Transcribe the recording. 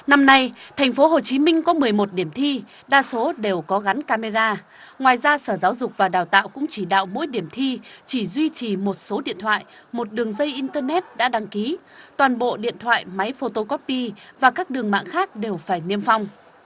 năm nay thành phố hồ chí minh có mười một điểm thi đa số đều có gắn ca mê ra ngoài ra sở giáo dục và đào tạo cũng chỉ đạo mỗi điểm thi chỉ duy trì một số điện thoại một đường dây in tơ nét đã đăng ký toàn bộ điện thoại máy phô tô cóp bi và các đường mạng khác đều phải niêm phong